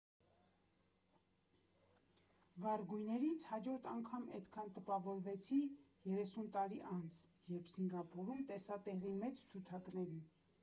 Վառ գույներից հաջորդ անգամ էդքան տպավորվեցի երեսուն տարի անց, երբ Սինգապուրում տեսա տեղի մեծ թութակներին։